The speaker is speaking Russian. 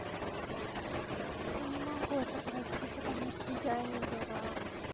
я не могу это пройти потому что я не дурак